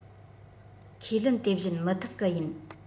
ཁས ལེན དེ བཞིན མི ཐུབ ཀི ཡིན